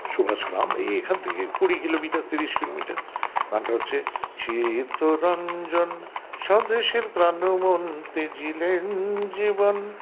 সুভাষগ্রাম এই এখান থেকে কুড়ি কিলোমিটার ৩০ কিলোমিটার গানটা হচ্ছে চিত্তরঞ্জন স্বদেশের প্রাণ ও মন ত্যাজিলেন জীবন